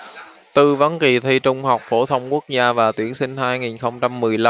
tư vấn kỳ thi trung học phổ thông quốc gia và tuyển sinh hai nghìn không trăm mười lăm